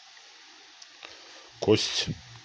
кость